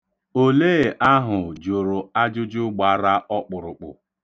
Olee ahụ jụrụ ajụju gbara ọkpụrụkpụ.